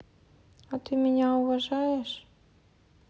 а ты меня уважаешь